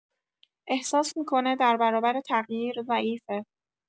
احساس می‌کنه در برابر تغییر ضعیفه.